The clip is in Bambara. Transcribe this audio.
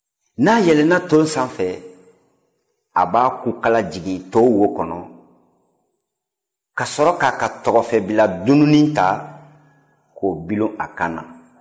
ni a yɛlɛnna nton sanfɛ a b'a kukala jigin nton wo kɔnɔ ka sɔrɔ k'a ka tɔgɔfɛbila dununnin ta k'o bila a kan la